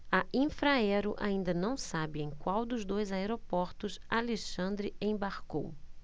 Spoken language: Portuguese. a infraero ainda não sabe em qual dos dois aeroportos alexandre embarcou